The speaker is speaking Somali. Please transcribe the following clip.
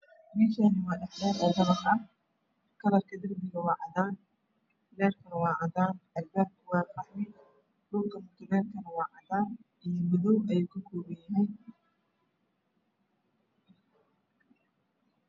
Meeshan wa dhexdheer oo dabaq ah kalarka darbiga waa cadan leerka waa cadan albaabka qaxwi dhulka mutuleelkana waa cadaan iyo madowa ayuu ka koobanyahay